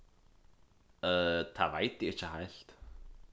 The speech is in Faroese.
øh tað veit ikki heilt